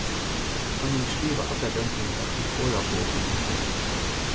hann hevur skrivað allar bendingar í orðabókunum upp